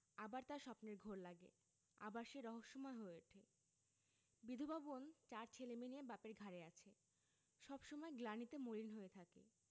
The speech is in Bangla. আবার তার স্বপ্নের ঘোর লাগে আবার সে রহস্যময় হয়ে উঠে বিধবা বোন চার ছেলেমেয়ে নিয়ে বাপের ঘাড়ে আছে সব সময় গ্লানিতে মলিন হয়ে থাকে